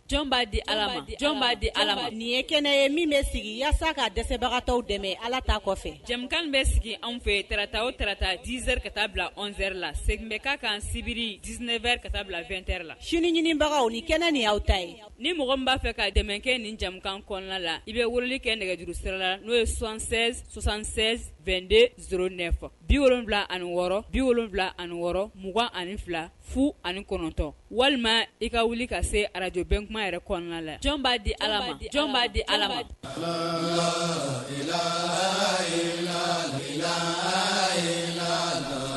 Jɔn b'a di jɔn b'a di ala nin ye kɛnɛ ye min bɛ sigi walasasa ka dɛsɛbagata dɛmɛ ala ta kɔfɛ jamana bɛ sigi anw fɛ tta o tata dze ka taa bila zeri la sɛ bɛ ka kan sibiri dseɛrɛ ka taa bila2ɛ la sini ɲinibagaw ni kɛnɛ ni aw ta ye ni mɔgɔ b'a fɛ ka dɛmɛ kɛ nin jamanakan kɔnɔna la i bɛ wuli kɛ nɛgɛjuru sera la n'o ye son sonsan72de s ne bi wolon wolonwula ani wɔɔrɔ bi wolon wolonwula ani wɔɔrɔ 2ugan ani fila fu ani kɔnɔntɔn walima i ka wuli ka se arajbɛnkuma yɛrɛ kɔnɔna la jɔn b'a di b'a di